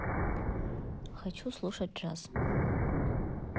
хочу слушать джаз